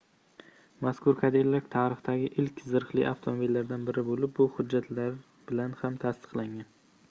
mazkur cadillac tarixdagi ilk zirhli avtomobillardan biri bo'lib bu hujjatlar bilan ham tasdiqlangan